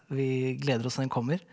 vi gleder oss til den kommer.